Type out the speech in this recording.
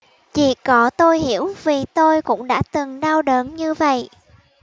chỉ có tôi hiểu vì tôi cũng đã từng đau đớn như vậy